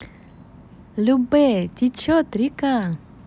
любэ течет река